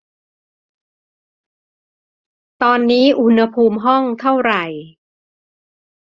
ตอนนี้อุณหภูมิห้องเท่าไหร่